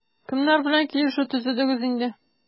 Кемнәр белән килешү төзедегез инде?